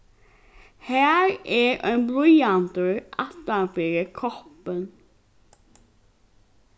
har er ein blýantur aftan fyri koppin